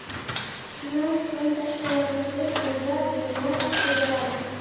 Шуннан соң, тачкаларга салып, елга буена чыгарабыз.